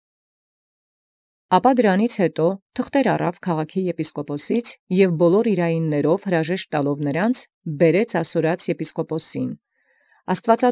Կորյուն Ապա յետ այնորիկ առնոյր թուղթս յեպիսկոպոսէ քաղաքին և հրաժարեալ ի նոցանէ հանդերձ ամենայն իւրովքն, բերէր առ եպիսկոպոսն Ասորոց։